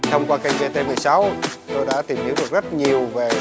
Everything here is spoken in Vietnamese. thông qua kênh vê tê vê sáu tôi đã tìm hiểu được rất nhiều về